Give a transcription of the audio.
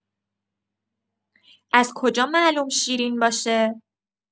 از کجا معلوم شیرین باشه؟